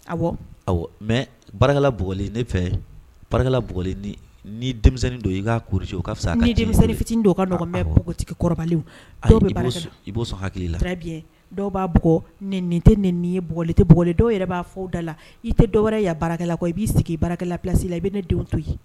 Aw aw mɛ bara blen ne fɛ b ni denmisɛnnin don i'a kuru o fisa denmisɛn fitinin don ka nɔgɔ mɛ npogotigi kɔrɔ i' hakili la bi dɔw b'a n tɛ ni ye bli tɛ bugli dɔw yɛrɛ b'a fɔ da la i tɛ dɔwɛrɛ ya baarakɛla kuwa i b'i sigi barakɛlalalasi la i bɛ ne den to